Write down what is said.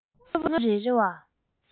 དངོས པོ རེ རེ བ